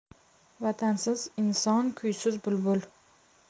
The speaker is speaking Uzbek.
vatansiz inson kuysiz bulbul